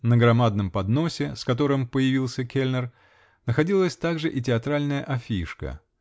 На громадном подносе, с которым появился кельнер, находилась также и театральная афишка.